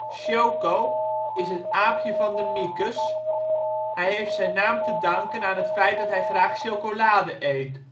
Choco is het aapje van De Miekes. Hij heeft zijn naam te danken aan het feit hij graag chocolade eet